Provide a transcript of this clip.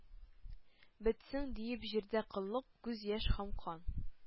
«бетсен,— диеп,— җирдә коллык, күз-яшь һәм кан!»